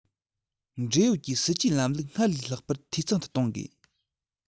འབྲེལ ཡོད ཀྱི སྲིད ཇུས ལམ ལུགས སྔར ལས ལྷག པར འཐུས ཚང དུ གཏོང དགོས